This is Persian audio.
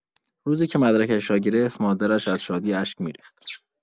روزی که مدرکش را گرفت، مادرش از شادی اشک می‌ریخت.